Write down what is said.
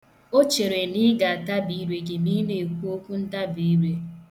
O chere na ị ga-atabi ire gị ma ị na-ekwu okwuntabire.